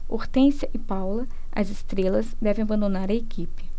hortência e paula as estrelas devem abandonar a equipe